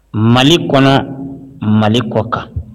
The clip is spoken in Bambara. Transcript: Mali kɔnɔ mali kɔ kan